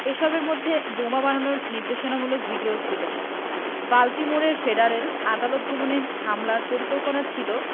এসবের মধ্যে বোমা বানানোর নির্দেশিকামূলক ভিডিও ছিল বাল্টিমোরের ফেডারেল আদালত ভবনে হামলার পরিকল্পনা ছিল